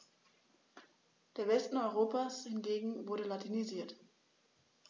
Der Westen Europas hingegen wurde latinisiert.